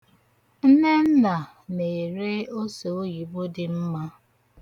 Nnenna na-ere oseoyibo dị mma.